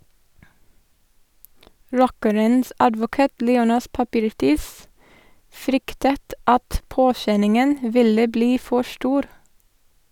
Rockerens advokat, Leonas Papirtis, fryktet at påkjenningen ville bli for stor.